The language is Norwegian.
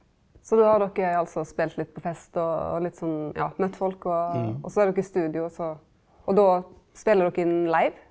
så då har dokker altså spelt litt på fest og og litt sånn ja møtt folk og også er dokker i studio også og då speler dokker inn live?